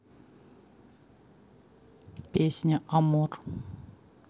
песня amor